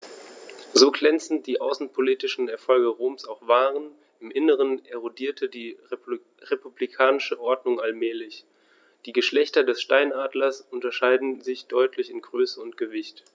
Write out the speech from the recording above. So glänzend die außenpolitischen Erfolge Roms auch waren: Im Inneren erodierte die republikanische Ordnung allmählich. Die Geschlechter des Steinadlers unterscheiden sich deutlich in Größe und Gewicht.